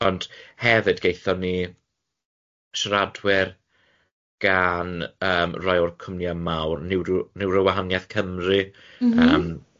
Ond hefyd gaethon ni siaradwyr gan yym rhai o'r cwmnïau mawr Neuro- Neurowahaniaeth Cymru yym m-hm.